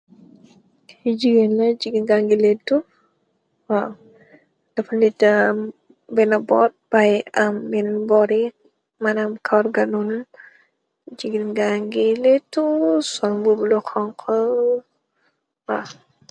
Ki gigeen munge letuh dafa letuh bena borr bi baye benen borr bi gigeen bange letuh sul yereh bu xhong khu.